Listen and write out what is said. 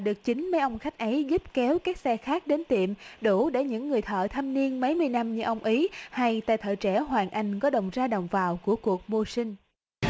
được chính mấy ông khách ấy giúp kéo các xe khác đến tiệm đủ để những người thợ thâm niên mấy mươi năm như ông ý hay tay thợ trẻ hoàng anh có đồng ra đồng vào của cuộc mưu sinh